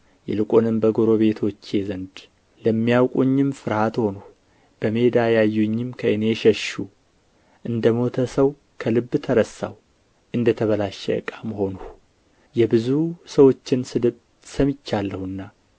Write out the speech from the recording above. ይልቁንም በጎረቤቶቼ ዘንድ ለሚያውቁኝም ፍርሃት ሆንሁ በሜዳ ያዩኝም ከእኔ ሸሹ እንደ ሞተ ሰው ከልብ ተረሳሁ እንደ ተበላሸ ዕቃም ሆንሁ የብዙ ሰዎችን ስድብ ሰምቻለሁና